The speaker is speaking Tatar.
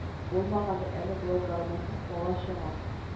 Булмагандыр әле болай гармунсыз калган чагың